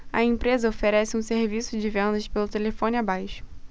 a empresa oferece um serviço de vendas pelo telefone abaixo